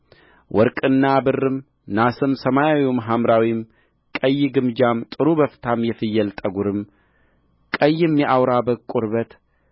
ወርቅና ብርም ናስም ሰማያዊም ሐምራዊም ቀይ ግምጃም ጥሩ በፍታም የፍየል ጠጕርም ቀይም የአውራ በግ ቁርበት